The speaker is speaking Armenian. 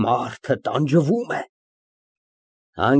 Մարդը տանջվում է։